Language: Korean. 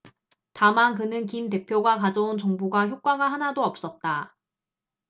다만 그는 김 대표가 가져온 정보가 효과가 하나도 없었다